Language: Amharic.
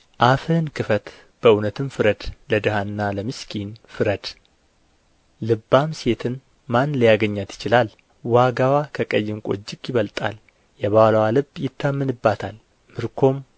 አፍህን ክፍት በእውነትም ፍረድ ለድሀና ለምስኪን ፍረድ ልባም ሴትን ማን ሊያገኛት ይችላል ዋጋዋ ከቀይ ዕንቍ እጅግ ይበልጣል የባልዋ ልብ ይታመንባታል ምርኮም